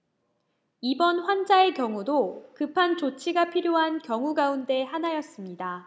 이번 환자의 경우도 급한 조치가 필요한 경우 가운데 하나였습니다